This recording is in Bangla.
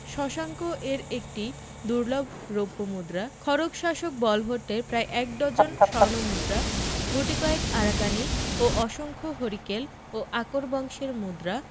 শশাঙ্ক এর একটি দুর্লভ রৌপ্য মুদ্রা খড়গ শাসক বলভট্টের প্রায় এক ডজন স্বর্ণ মুদ্রা গুটি কয়েক আরাকানি ও অসংখ্য হরিকেল ও আকর বংশের মুদ্রা